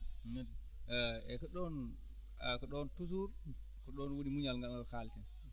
eeyi e ko ɗoon a ko ɗoon toujours ko ɗoon woni muñal ngal ɗo ɗo kalten